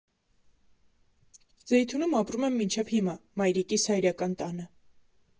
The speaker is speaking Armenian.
Զեյթունում ապրում եմ մինչև հիմա՝ մայրիկիս հայրական տանը։